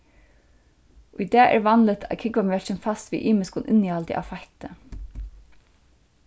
í dag er vanligt at kúgvamjólkin fæst við ymiskum innihaldi av feitti